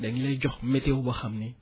dañ lay jox météo boo xam ne